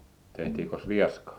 tehtiinkös rieskaa